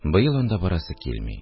Быел анда барасы килми